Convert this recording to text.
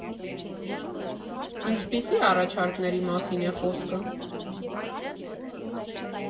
Ինչպիսի՞ առաջարկների մասին է խոսքը։